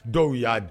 Dɔw y'a di